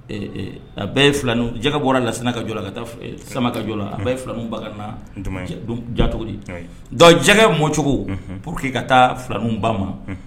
A bɛɛ filanin ja bɔra las ka jɔ la ka taa sama ka jɔ a bɛɛ ye filanin ba jacogodi don jagɛ mɔcogo po que ka taa filanin ba ma